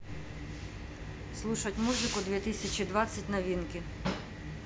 слушать музыку две тысячи двадцать новинки